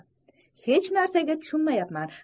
hech narsaga tushunmayapman